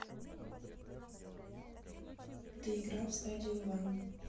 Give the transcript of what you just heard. ты играл в стадию ван